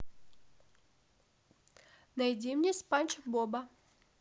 найди мне спанч боба